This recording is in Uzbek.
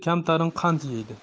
kamtarin qand yeydi